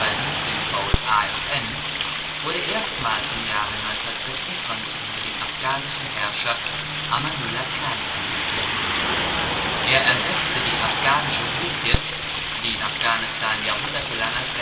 ISO-4217-Code: AFN) wurde erstmals im Jahre 1926 unter dem afghanischen Herrscher Amanullah Khan eingeführt. Er ersetzte die Afghanische Rupie (روپيه), die in Afghanistan jahrhundertelang als